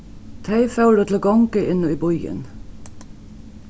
tey fóru til gongu inn í býin